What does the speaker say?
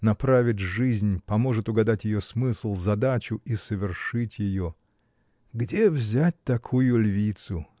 направит жизнь, поможет угадать ее смысл, задачу и совершить ее. Где взять такую львицу?